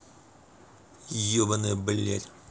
ебанутая блядь